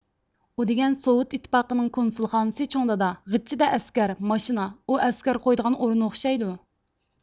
ئۇ دېگەن سوۋېت ئىتتىپاقىنىڭ كونسۇلخانىسى چوڭ دادا غىچچىدە ئەسكەر ماشىنا ئۇ ئەسكەر قويىدىغان ئورۇن ئوخشايدۇ